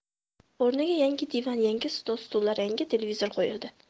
o'rniga yangi divan yangi stol stullar rangli televizor qo'yildi